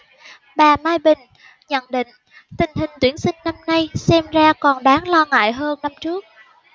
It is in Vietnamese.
bà mai bình nhận định tình hình tuyển sinh năm nay xem ra còn đáng lo ngại hơn năm trước